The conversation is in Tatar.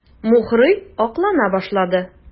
Мухрый аклана башлады.